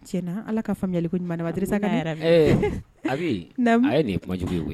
Ɲɛna ala k'a faamuya mili kobasa ka yɛrɛ nin ye kuma jugu ye